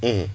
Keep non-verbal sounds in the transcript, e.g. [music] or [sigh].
[hesitation] [hesitation]